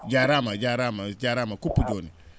jaaraama jaaraama jaaraama kuppu jooni